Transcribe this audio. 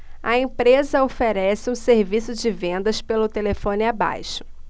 a empresa oferece um serviço de vendas pelo telefone abaixo